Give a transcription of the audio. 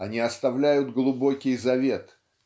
они оставляют глубокий завет